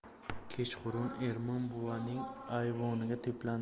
kechqurun ermon buvaning ayvoniga to'plandik